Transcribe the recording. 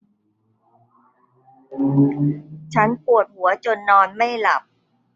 ฉันปวดหัวจนนอนไม่หลับ